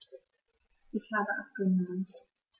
Ich habe abgenommen.